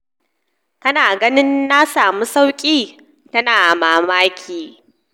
“Kana ganin na samu sauki?” tana mamaki.